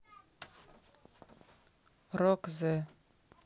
рок зе